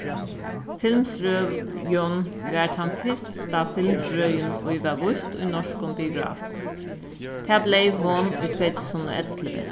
var tann fyrsta filmsrøðin ið varð víst í norskum biografum tað bleiv hon í tvey túsund og ellivu